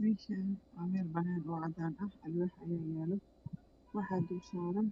Me shan waa meelbanaan ah ocadan ah Alwax ayaa yalo waxa dulsara